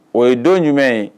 O ye don jumɛn ye?